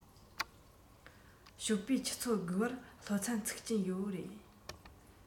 ཞོགས པའི ཆུ ཚོད དགུ པར སློབ ཚན ཚུགས ཀྱི ཡོད རེད